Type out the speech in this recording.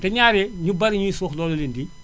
te ñaare ñu bari ñiy suux looloo leen di